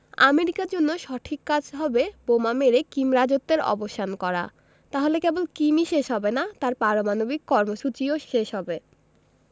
আমেরিকার জন্য সঠিক কাজ হবে বোমা মেরে কিম রাজত্বের অবসান করা তাহলে কেবল কিমই শেষ হবে না তাঁর পারমাণবিক কর্মসূচিও শেষ হবে